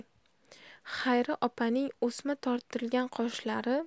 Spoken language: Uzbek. xayri opaning o'sma tortilgan qoshlari